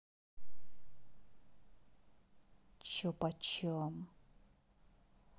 че почем